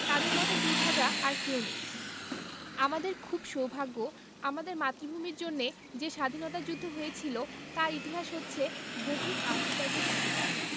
তাদের মতো দুর্ভাগা আর কেউ নেই আমাদের খুব সৌভাগ্য আমাদের মাতৃভূমির জন্যে যে স্বাধীনতা যুদ্ধ হয়েছিল তার ইতিহাস হচ্ছে গভীর আত্মত্যাগের ইতিহাস